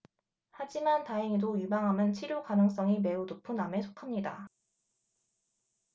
하지만 다행히도 유방암은 치료 가능성이 매우 높은 암에 속합니다